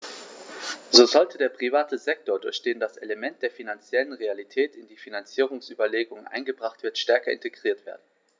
So sollte der private Sektor, durch den das Element der finanziellen Realität in die Finanzierungsüberlegungen eingebracht wird, stärker integriert werden.